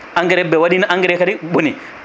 engrais ɓe waɗino engrais kadi boni